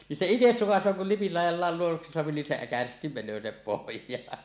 niin se itse sukaisee kun lipin laidan vain luoduksi saa niin se äkäisesti menee sinne pohjaan